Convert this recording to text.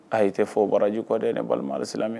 A i tɛ fɔ bɔraji kɔd ni balima a silamɛ ye